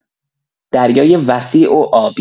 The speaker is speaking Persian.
دریای وسیع و آبی